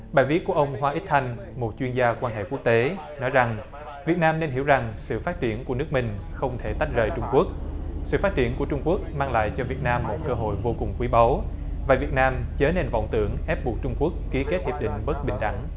bài viết của ông hoa ích thanh một chuyên gia quan hệ quốc tế nói rằng việt nam nên hiểu rằng sự phát triển của nước mình không thể tách rời trung quốc sự phát triển của trung quốc mang lại cho việt nam một cơ hội vô cùng quý báu và việt nam chớ nên vọng tưởng ép buộc trung quốc ký kết hiệp định bất bình đẳng